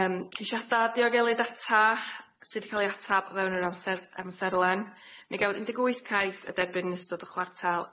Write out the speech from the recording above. Yym ceisiada diogelu data sydd di ca'l ei atab o fewn yr amser- amserlen. Ni gawd un deg wyth cais y debyn yn ystod y chwartel